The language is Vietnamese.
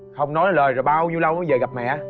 không nói lời rồi bao nhiêu lâu mới về gặp mẹ